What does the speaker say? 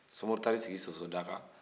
sumaworo taar'a sigi sosodaga